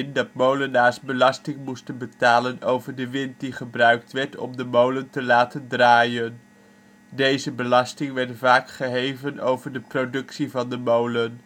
dat molenaars belasting moesten betalen over de wind die gebruikt werd (de windvang) om de molen te laten draaien. Deze belasting werd vaak geheven over de productie van de molen